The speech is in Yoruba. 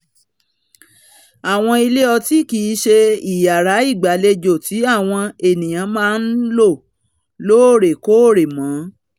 Àwọn ilé ọtí kìí ṣe iyàrá ìgbàlejò tí àwọn èniyàn máa ńlọ lóòrè-kóòrè mọ́.